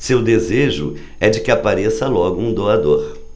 seu desejo é de que apareça logo um doador